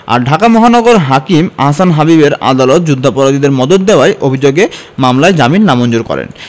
আর ঢাকা মহানগর হাকিম আহসান হাবীবের আদালত যুদ্ধাপরাধীদের মদদ দেওয়ার অভিযোগের মামলায় জামিন নামঞ্জুর করেন